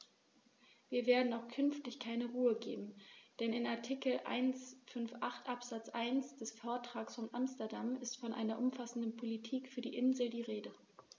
Wir werden auch künftig keine Ruhe geben, denn in Artikel 158 Absatz 1 des Vertrages von Amsterdam ist von einer umfassenden Politik für die Inseln die Rede.